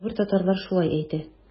Кайбер татарлар шулай әйтә.